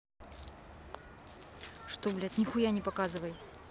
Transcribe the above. что блядь нихуя не показывай